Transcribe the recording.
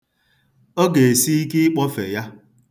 Ọ ga-esi ike ịkpọfe ya.